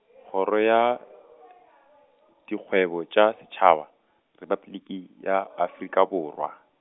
kgoro ya, Dikgwebo tša Setšhaba, Repabliki ya Afrika Borwa.